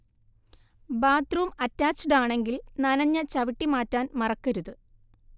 bathroom അറ്റാച്ച്ഡാണെങ്കിൽ നനഞ്ഞ ചവിട്ടി മാറ്റാൻ മറക്കരുത്